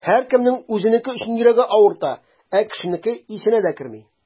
Һәркемнең үзенеке өчен йөрәге авырта, ә кешенеке исенә дә керми.